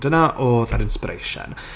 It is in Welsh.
Dyna oedd yr inspiration.